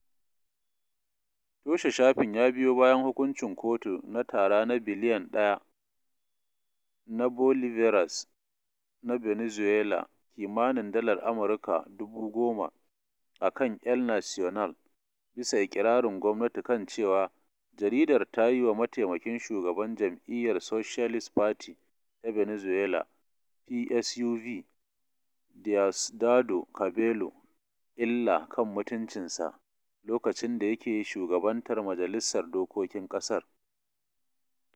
Toshe shafin ya biyo bayan hukuncin kotu na tara na biliyan ɗaya na Bolivares na Venezuela (kimanin dalar Amurka 10,000) akan El Nacional, bisa iƙirarin gwamnati kan cewa jaridar ta yi wa Mataimakin Shugaban Jam'iyyar Socialist Party ta Venezuela (PSUV), Diosdado Cabello, “illa kan mutuncinsa” lokacin da yake shugabantar Majalisar Dokokin Ƙasar.